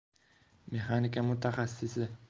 mexanika mutaxassisi